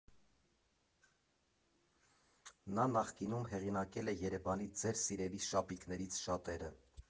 Նա նախկինում հեղինակել է ԵՐԵՎԱՆի՝ ձեր սիրելի շապիկներից շատերը։